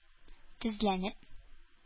Тезләнеп